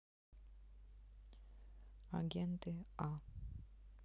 агенты а